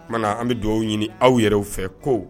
O tuma an bɛ dugawu ɲini aw yɛrɛ fɛ ko